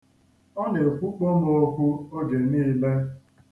Ọ na-ekwukpo m okwu oge niile.